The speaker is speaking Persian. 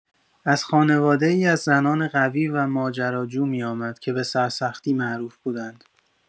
از خانواده‌ای از زنان قوی و ماجراجو می‌آمد که به سرسختی معروف بودند.